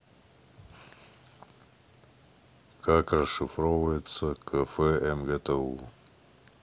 как расшифровывается кф мгту